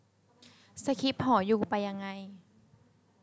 สคิปหอยูไปยังไง